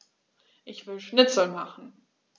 Ich will Schnitzel machen.